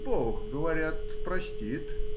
— Бог,— говорят,— простит.